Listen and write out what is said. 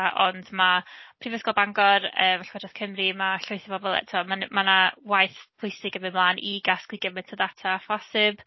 A ond ma' Prifysgol Bangor yy ma' Llywodraeth Cymru, ma' llwyth o bobl eto, ma' 'na waith pwysig yn mynd ymlaen i gasglu gyment o ddata â phosib.